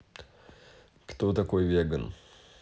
кто такой веган